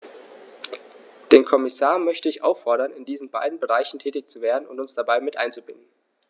Den Kommissar möchte ich auffordern, in diesen beiden Bereichen tätig zu werden und uns dabei mit einzubinden.